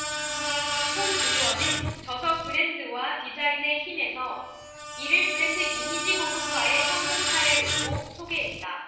손 의원은 저서 브랜드와 디자인의 힘 에서 이를 브랜드 이미지 고급화의 성공 사례로도 소개했다